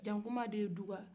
jakuma den duga